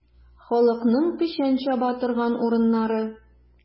Халыкның печән чаба торган урыннары.